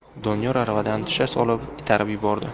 doniyor aravadan tusha solib itarib yubordi